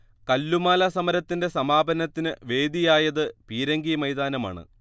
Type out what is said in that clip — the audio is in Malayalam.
കല്ലുമാല സമരത്തിന്റെ സമാപനത്തിന് വേദിയായത് പീരങ്കി മൈതാനമാണ്